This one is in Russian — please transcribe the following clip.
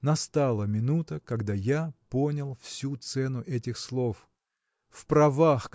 Настала минута, когда я понял всю цену этих слов. В правах